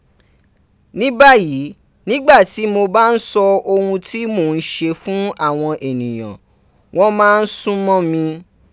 Ní báyìí, nígbà tí mo bá ń sọ ohun tí mò ń ṣe fún àwọn èèyàn, wọ́n máa ń sún mọ́ mi.